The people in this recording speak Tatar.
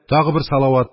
Тагы бер салават,